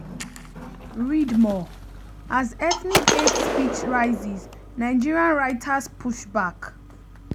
Read more: As ethnic hate speech rises, Nigerian writers push back